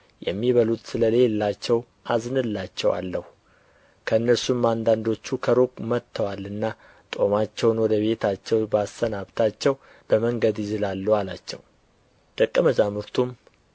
የሚበሉት ስለሌላቸው አዝንላቸዋለሁ ከእነርሱም አንዳንዶቹ ከሩቅ መጥተዋልና ጦማቸውን ወደ ቤታቸው ባሰናብታቸው በመንገድ ይዝላሉ አላቸው ደቀ መዛሙርቱም